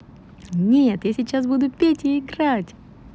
нет я сейчас буду петь и играть